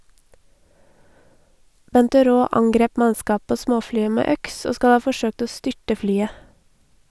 Benteraa angrep mannskapet på småflyet med øks, og skal ha forsøkt å styrte flyet.